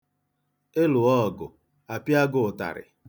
Ị lụọ ọgụ, a pịa gị ụtarị.